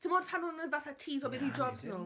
Timod pan mae nhw fatha tîsio beth ydy jobs nhw.